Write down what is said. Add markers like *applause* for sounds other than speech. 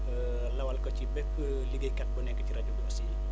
*hesitation* lawal ko ci bépp liggéeykat bu nekk ci rajo bi aussi